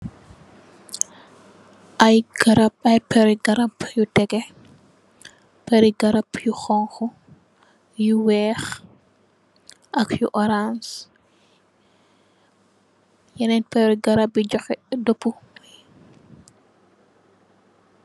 Aye garab aye pere garab yu tege pere garab yu xonxo yu weex ak yu orance yenen pere garab ye juhe dopu.